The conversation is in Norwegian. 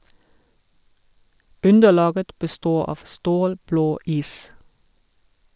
Underlaget består av stålblå is.